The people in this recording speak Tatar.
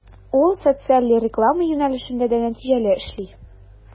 Ул социаль реклама юнәлешендә дә нәтиҗәле эшли.